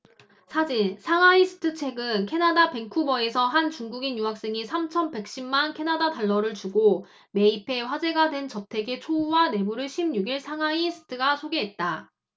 사진 상하이스트최근 캐나다 밴쿠버에서 한 중국인 유학생이 삼천 백 십 만 캐나다 달러를 주고 매입해 화제가 된 저택의 초호화 내부를 십 육 일 상하이스트가 소개했다